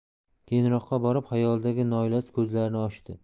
keyinroqqa borib xayolidagi noilasi ko'zlarini ochdi